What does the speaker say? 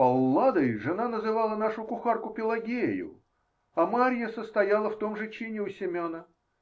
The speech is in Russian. "Палладой" жена называла нашу кухарку Пелагею, а Марья состояла в том же чине у Семена.